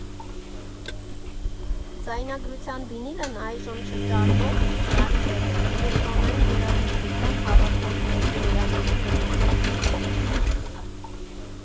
Ձայնագրության վինիլն այժմ չճարվող ռարիտետ է, էլեկտրոնային երաժշտության հավաքորդների երանելի նմուշ։